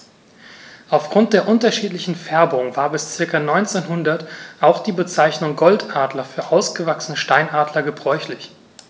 Auf Grund der unterschiedlichen Färbung war bis ca. 1900 auch die Bezeichnung Goldadler für ausgewachsene Steinadler gebräuchlich.